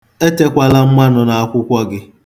Etekwala mmanụ n'akwụkwọ gị.